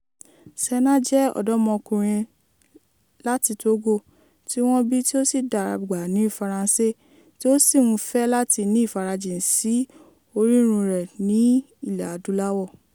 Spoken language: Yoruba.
Sena jẹ́ ọ̀dọ́mọkùnrin láti Togo, tí wọ́n bí tí ó sì dàgbà ní France, tí ó sì ń fẹ́ láti ní ìfarajìn sí orírun rẹ̀ ní ilẹ̀ Adúláwọ̀.